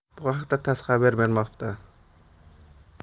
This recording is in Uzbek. bu haqda tass xabar bermoqda